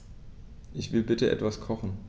Ich will bitte etwas kochen.